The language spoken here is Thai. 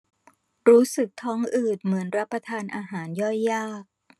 รู้สึกท้องอืดเหมือนรับประทานอาหารย่อยยาก